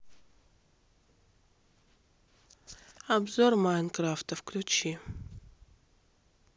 обзор майнкрафта включи